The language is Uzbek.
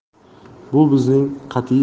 bu bizning qat'iy